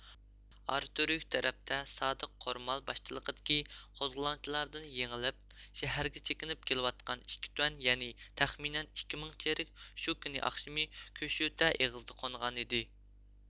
ئاراتۈرۈك تەرەپتە سادىق قورمال باشچىلىقىدىكى قوزغىلاڭچىلاردىن يېڭىلىپ شەھەرگە چېكىنىپ كېلىۋاتقان ئىككى تۇەن يەنى تەخمىنەن ئىككى مىڭ چېرىك شۇ كۈنى ئاخشىمى كۆشۆتە ئېغىزىدا قونغانىدى